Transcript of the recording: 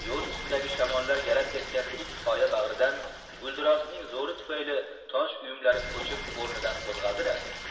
yo'l ustidagi shamollar yalab ketgan tik qoya bag'ridan guldurosning zo'ri tufayli tosh uyumlari ko'chib o'rnidan qo'zg'aldi da